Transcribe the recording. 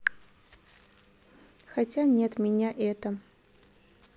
хотя нет меня это